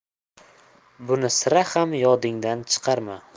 buni sira ham yodingdan chiqarma